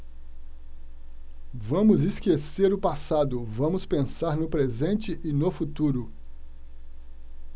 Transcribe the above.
vamos esquecer o passado vamos pensar no presente e no futuro